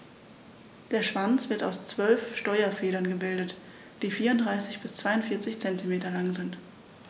Der Schwanz wird aus 12 Steuerfedern gebildet, die 34 bis 42 cm lang sind.